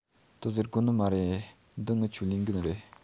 དེ ཟེར དགོ ནི མ རེད འདི ངི ཆོའི ལས འགན རེད